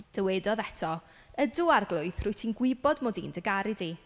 Dywedodd eto Ydw Arglwydd, rwyt ti'n gwybod mod i'n dy garu di.